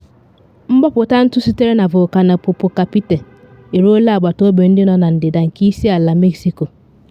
Mgbọpụta ntụ sitere na volkano Popocatepetl eruola agbatobi ndị nọ na ndịda nke isi ala Mexico.